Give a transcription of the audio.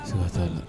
Su' la